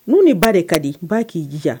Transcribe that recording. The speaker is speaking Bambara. N'u de ba de ka di n b'a k'i jija